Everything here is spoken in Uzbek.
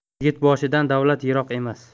yigit boshidan davlat yiroq emas